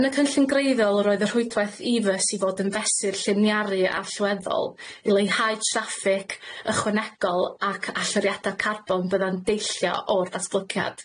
Yn y cynllun gwreiddiol, yr oedd y rhwydwaith ee fus i fod yn fesur lliniaru allweddol i leihau traffic ychwanegol ac allyriada' carbon bydda'n deillio o'r datblygiad.